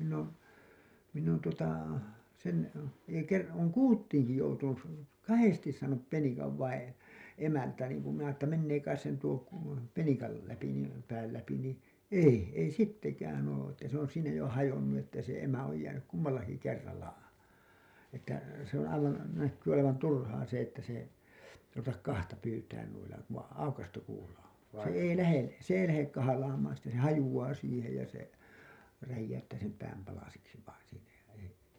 minä olen minä on tuota sen ei - olen kuutinkin joutunut kahdesti saanut penikan vain - emältään niin kuin minä että menee kai sen tuo kuula penikan läpi niin pään läpi niin ei ei sittenkään ole että se on siinä jo hajonnut että se emä on jäänyt kummallakin kerralla että se on aivan näkyy olevan turhaa se että se ruveta kahta pyytämään noilla kun vain aukaistu kuula on se ei lähde se ei lähde kahlaamaan sitten kun se hajoaa siihen ja se räjäyttää sen pään palasiksi vain siinä ja ei